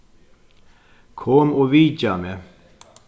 kom og vitja meg